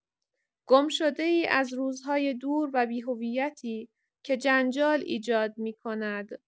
گمشده‌ای از روزهای دور و بی‌هویتی که جنجال ایجاد می‌کند.